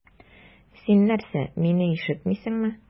Син нәрсә, мине ишетмисеңме?